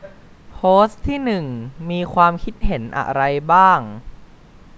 โพสต์ที่หนึ่งมีความคิดเห็นอะไรบ้าง